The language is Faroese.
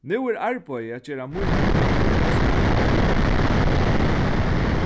nú er arbeiði at gera mínar bøkur sett í gongd